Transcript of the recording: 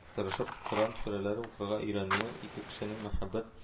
Тырышып коръән сүрәләре укырга өйрәнүе, ике кешенең мәхәббәт